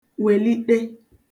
wèliṭe